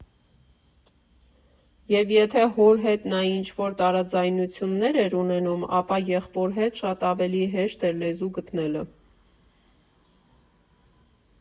Եվ եթե հոր հետ նա ինչ֊որ տարաձայնություններ էր ունենում, ապա եղբոր հետ շատ ավելի հեշտ էր լեզու գտնելը։